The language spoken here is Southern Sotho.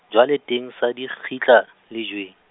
jwale teng sa di kgitla, lejweng.